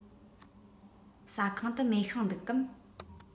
ཟ ཁང དུ མེ ཤིང འདུག གམ